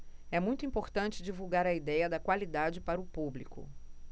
é muito importante divulgar a idéia da qualidade para o público